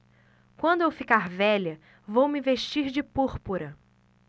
quando eu ficar velha vou me vestir de púrpura